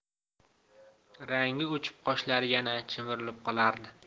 rangi o'chib qoshlari yana chimirilib qolardi